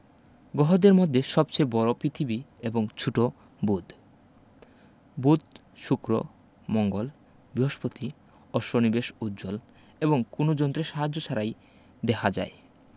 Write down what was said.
গহদের মধ্যে সবচেয়ে বড় পিতিবী এবং ছুট বুধ বুধ শুক্র মঙ্গল বৃহস্পতি ও শনি বেশ উজ্জ্বল এবং কুনো যন্ত্রের সাহায্য ছাড়াই দেখা যায়